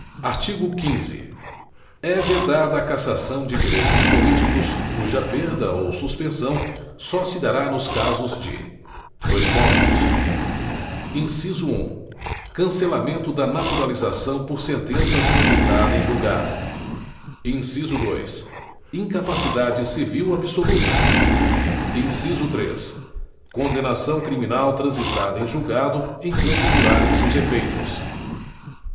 artigo quinze é vedada a cassação de direitos políticos cuja perda ou suspensão só se dará nos casos de dois pontos inciso um cancelamento da naturalização por sentença transitada em julgado inciso dois incapacidade civil absoluta inciso três condenação criminal transitada em julgado enquanto durarem seus efeitos